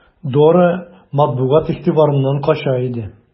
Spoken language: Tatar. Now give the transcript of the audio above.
Дора матбугат игътибарыннан кача иде.